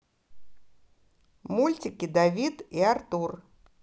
мультики давид и артур